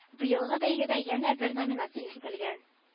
Быелгы бәйгедә янә дә бер номинация өстәлгән